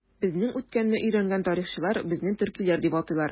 Безнең үткәнне өйрәнгән тарихчылар безне төркиләр дип атыйлар.